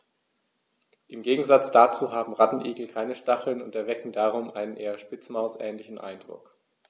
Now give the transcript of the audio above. Im Gegensatz dazu haben Rattenigel keine Stacheln und erwecken darum einen eher Spitzmaus-ähnlichen Eindruck.